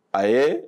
A ye